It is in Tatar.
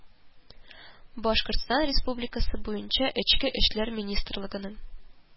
Башкортстан Республикасы буенча Эчке эшләр министрлыгының